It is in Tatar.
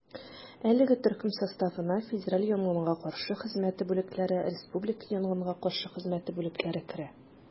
Әлеге төркем составына федераль янгынга каршы хезмәте бүлекләре, республика янгынга каршы хезмәте бүлекләре керә.